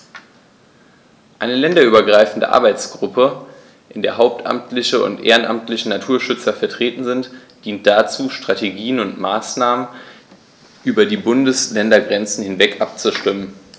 Eine länderübergreifende Arbeitsgruppe, in der hauptamtliche und ehrenamtliche Naturschützer vertreten sind, dient dazu, Strategien und Maßnahmen über die Bundesländergrenzen hinweg abzustimmen.